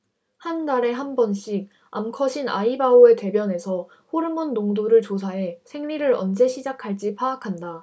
한 달에 한 번씩 암컷인 아이바오의 대변에서 호르몬 농도를 조사해 생리를 언제 시작할지 파악한다